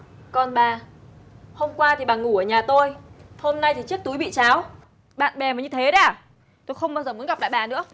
còn bà hôm qua thì bà ngủ ở nhà tôi hôm nay thì chiếc túi bị tráo bạn bè mà như thế đấy à tôi không bao giờ muốn gặp lại bà nữa